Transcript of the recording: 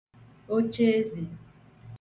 ocheezè